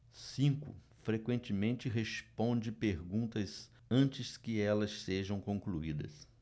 cinco frequentemente responde perguntas antes que elas sejam concluídas